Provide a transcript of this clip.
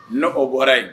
N o bɔra yen